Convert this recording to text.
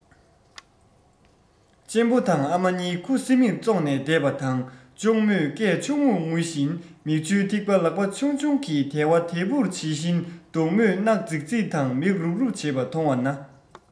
གཅེན པོ དང ཨ མ གཉིས ཁུ སིམ མེར ཙོག ནས བསྡད པ དང གཅེན མོས སྐད ཆུང ངུས ངུ བཞིན མིག ཆུའི ཐིགས པ ལག པ ཆུང ཆུང གིས དལ བ དལ བུར འབྱིད བཞིན འདུག མོས སྣ རྫིག རྫིག དང མིག རུབ རུབ བྱེད པ མཐོང བ ན